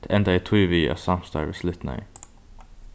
tað endaði tí við at samstarvið slitnaði